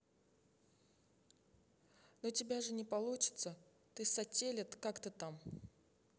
ну тебя же не получится ты сателлит как ты там